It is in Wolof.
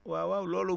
waaw waaw loolu